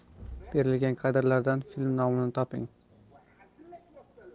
kadrlardan film nomini toping